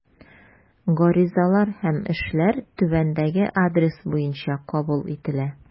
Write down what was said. Гаризалар һәм эшләр түбәндәге адрес буенча кабул ителә.